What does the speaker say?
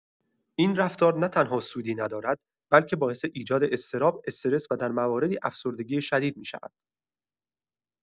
این رفتار نه‌تنها سودی ندارد، بلکه باعث ایجاد اضطراب، استرس و در مواردی افسردگی شدید می‌شود.